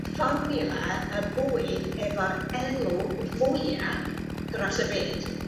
y fformiwla y bwyd efo'r elw fwya dros y byd.